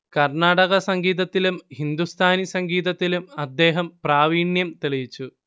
കര്‍ണാടക സംഗീതത്തിലും ഹിന്ദുസ്ഥാനി സംഗീതത്തിലും അദ്ദേഹം പ്രാവീണ്യം തെളിയിച്ചു